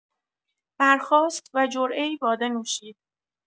برخاست و جرعه‌ای باده نوشید.